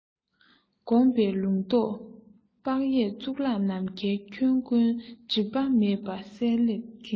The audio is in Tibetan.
བསྒོམ པས ལུང རྟོགས དཔག ཡས གཙུག ལག ནམ མཁའི ཁྱོན ཀུན སྒྲིབ པ མེད པར གསལ ལེར མཁྱེན